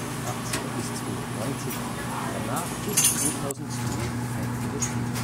1988 – 92, danach bis 2002 einzelne Spiele